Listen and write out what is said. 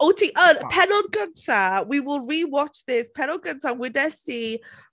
O ti yn! Pennod gynta, we will re-watch this, pennod gynta wedest ti...